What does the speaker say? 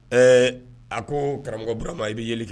Ɛɛ a ko karamɔgɔ bura ma i bɛ jelikɛ kɛ